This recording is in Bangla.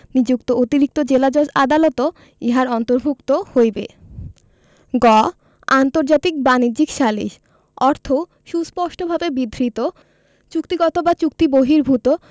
নিযুক্ত অতিরিক্ত জেলাজজ আদালতও ইহার অন্তর্ভুক্ত হইবে গ আন্তর্জাতিক বাণিজ্যিক সালিস অর্থ সুস্পষ্টভাবে বিধৃত চুক্তিগত বা চুক্তিবহির্ভুত